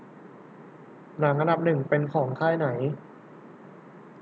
หนังอันดับหนึ่งเป็นของค่ายไหน